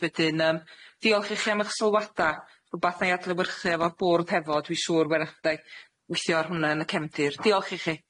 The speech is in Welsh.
Wedyn yym diolch i chi am 'ych sylwada' rwbath 'nai adlewyrchu efo bwrdd hefo dwi siŵr w'rach 'dai weithio ar hwnna yn y cefndir diolch i chi.